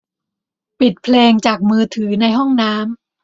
ปิดเพลงจากมือถือในห้องน้ำ